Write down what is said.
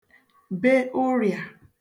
be ụrịà